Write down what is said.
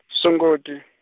Sunguti.